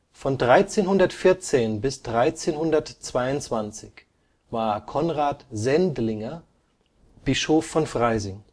Von 1314 bis 1322 war Konrad Sendlinger Bischof von Freising